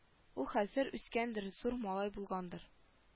Ул хәзер үскәндер зур малай булгандыр